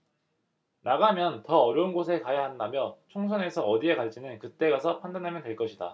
나가면 더 어려운 곳에 가야 한다며 총선에서 어디에 갈지는 그 때 가서 판단하면 될 것이다